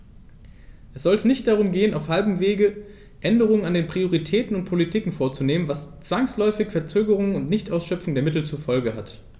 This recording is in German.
Es sollte nicht darum gehen, auf halbem Wege Änderungen an den Prioritäten und Politiken vorzunehmen, was zwangsläufig Verzögerungen und Nichtausschöpfung der Mittel zur Folge hat.